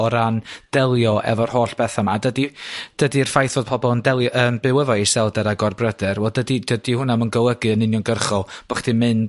o ran delio efo'r holl betha 'ma dydi dydi'r ffaith fod pobol yn delio yn byw efo iselder a gorbryder wel dydi dydi hwnna'm yn golygu yn uniongyrchol bo' chdi'n mynd